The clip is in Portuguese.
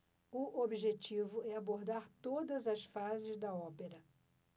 o objetivo é abordar todas as fases da ópera